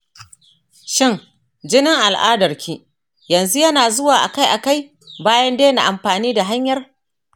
shin jinin al'adarki yanzu yana zuwa a kai a kai bayan daina amfani da hanyar?